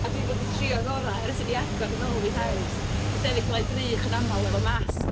A dwi 'di bod yn trio ngorau, ers i ni agor yn ôl ym mis Awst. Dwi'n sefyll o flaen drych yn aml efo masg.